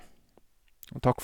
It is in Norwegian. Og takk f...